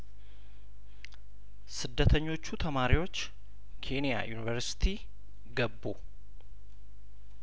ስደተኞቹ ተማሪዎች ኬንያ ዩኒቨርሲቲ ገቡ